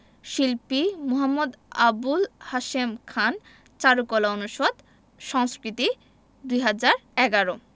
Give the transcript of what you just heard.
শিল্পী মুহাম্মদ আবুল হাশেম খান চারুকলা অনুষদ সংস্কৃতি ২০১১